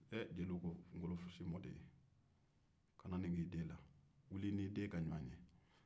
ee ŋolo saba mɔden kana ni kɛ i den